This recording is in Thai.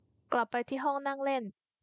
กลับไปที่ห้องนั่งเล่น